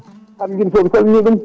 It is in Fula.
Hamedine Sow mi salmini ɗum